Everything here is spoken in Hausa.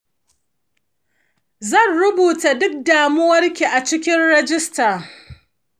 zan rubuta duk damuwarku a cikin rajista.